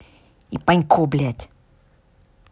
ипанько блядь